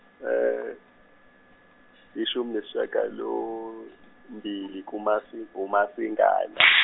ishumi neshagalombili kumasi- uMasingana.